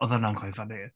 Oedd hwnna'n quite funny.